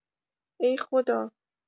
ای خدا